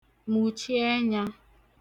mùchi ẹnyā